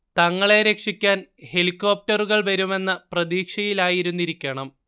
തങ്ങളെ രക്ഷിക്കാൻ ഹെലികോപ്റ്ററുകൾ വരുമെന്ന പ്രതീക്ഷയിലായിരുന്നിരിക്കണം